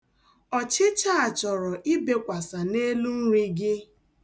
Ọchịcha a chọrọ ibekwasa n'elu nri gị.